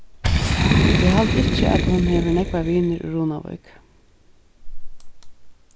eg haldi ikki at hon hevur nógvar vinir í runavík